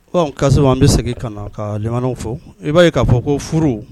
Ɔn, Kasim, an bɛ segin ka na ka limanaw fɔ, i b'a ye k'a fɔ ko furu